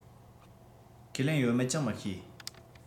ཁས ལེན ཡོད མེད ཀྱང མི ཤེས